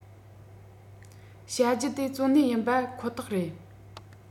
བྱ རྒྱུ དེ གཙོ གནད ཡིན པ ཁོ ཐག རེད